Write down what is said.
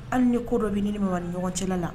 Hali ni ko dɔ bɛ ni mama ni ɲɔgɔn cɛla la